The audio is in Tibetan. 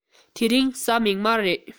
དེ རིང གཟའ མིག དམར རེད